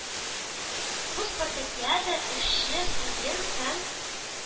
Бу спартакиада эшче, студент һәм